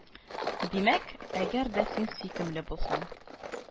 Димәк, әгәр дә син сөйкемле булсаң